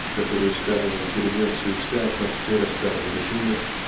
в которую ставила интеллигенцию вся атмосфера старого режима